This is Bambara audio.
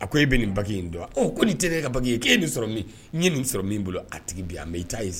A ko e bɛ nin ba in dɔn ko nin tɛ ne e ka ba ye k e ye nin sɔrɔ min n ye nin sɔrɔ min bolo a tigi bi a bɛ e t' ye z